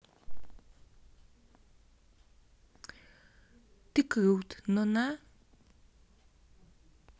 ты крут но на